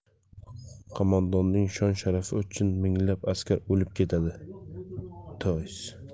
qo'mondonning shon sharafi uchun minglab askar o'lib ketadi